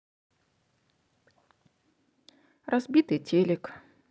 разбитый телек